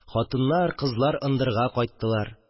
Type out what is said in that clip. Хатыннар, кызлар ындырга кайттылар